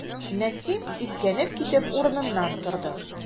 Нәсим, сискәнеп китеп, урыныннан торды.